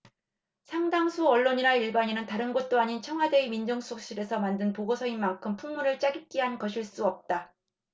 상당수 언론이나 일반인은다른 곳도 아닌 청와대의 민정수석실에서 만든 보고서인 만큼 풍문을 짜깁기한 것일 수 없다